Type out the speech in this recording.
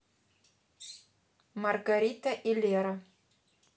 маргарита и лера